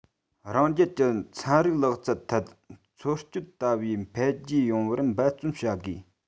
རང རྒྱལ གྱི ཚན རིག ལག རྩལ ཐད མཆོང སྐྱོད ལྟ བུའི འཕེལ རྒྱས ཡོང བར འབད བརྩོན བྱ དགོས